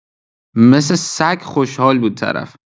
مث سگ خوشحال بود طرف!